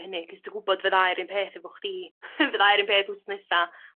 hynny 'c'os dwi gwbod fydda i 'r un peth efo chdi. Fydda i 'r un peth ws nesa